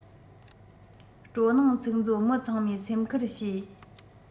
སྤྲོ སྣང ཚིག མཛོད མི ཚང མས སེམས ཁུར བྱེད